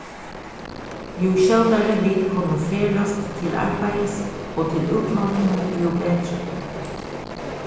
jú skjótari vit kunnu ferðast til arbeiðis og til útlondini jú betri